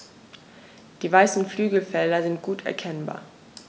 Die weißen Flügelfelder sind gut erkennbar.